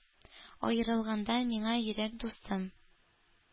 Аерылганда миңа йөрәк дустым